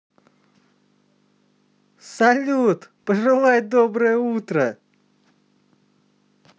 салют пожелай доброе утро